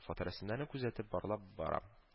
Фоторәсемнәрне күзәтеп, барлап барам